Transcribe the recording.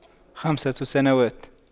خمسة سنوات